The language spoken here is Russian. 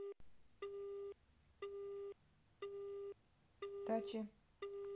дачи